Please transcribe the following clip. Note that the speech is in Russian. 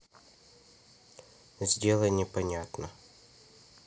сделай непонятно